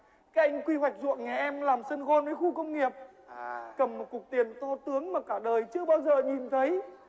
các anh quy hoạch ruộng nhà em làm sân gôn với khu công nghiệp cầm một cục tiền to tướng mà cả đời chưa bao giờ nhìn thấy